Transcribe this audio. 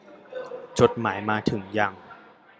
จดหมายมาถึงยัง